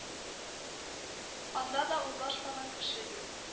Анда да урлашмаган кеше юк